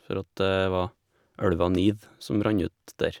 For at det var elva Nid som rant ut der.